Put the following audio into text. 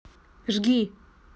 жги